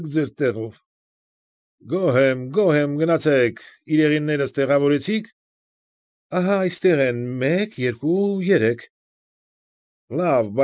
Եք ձեր տեղով։ ֊ Գոհ եմ, գոհ եմ, գնացեք, իրեղեներս տեղավորեցի՞ք։ ֊ Ահա այստեղ են, մեկ, երկու, երեք։ ֊ Լավ։